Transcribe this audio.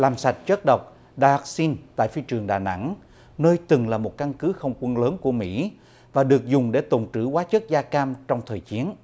làm sạch chất độc đai óc xin tại phi trường đà nẵng nơi từng là một căn cứ không quân lớn của mỹ và được dùng để tồn trữ hóa chất da cam trong thời chiến